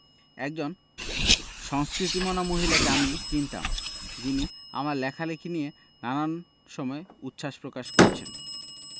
একজন সংস্কৃতি মনা মহিলাকে আমি চিনতাম যিনি আমার লেখালেখি নিয়ে নানান সময় উচ্ছাস প্রকাশ করছেন